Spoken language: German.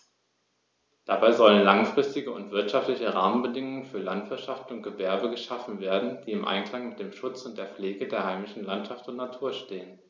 Dabei sollen langfristige und wirtschaftliche Rahmenbedingungen für Landwirtschaft und Gewerbe geschaffen werden, die im Einklang mit dem Schutz und der Pflege der heimischen Landschaft und Natur stehen.